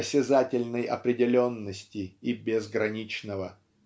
осязательной определенности и безграничного.